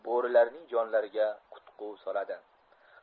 u bo'rilarning jonlariga kutqu soladi